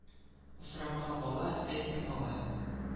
Асрамага бала, әй, кем ала